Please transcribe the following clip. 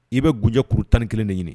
I bɛ gjɛ kuru tan ni kelen de ɲini